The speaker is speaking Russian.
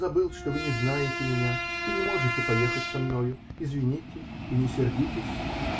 я забыл, что вы не знаете меня и не можете поехать со мною. Извините и не сердитесь.